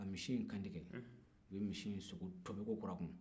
ka misi in kan tigɛ u ye misi in cogo tobili